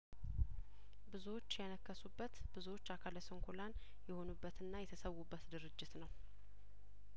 ብዙዎች ያነከሱበት ብዙዎች አካለስንኩላን የሆኑበትና የተሰዉበት ድርጅት ነው